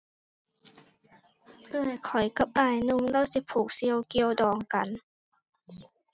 เอื้อยข้อยกับอ้ายหนุ่ม เลาสิผูกเสี่ยวเกี่ยวดองกัน